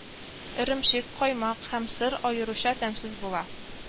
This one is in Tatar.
Эремчек, каймак һәм сыр аеруча тәмсез була